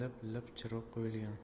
lip lip chiroq qo'yilgan